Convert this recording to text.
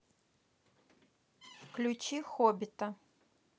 включи хоббита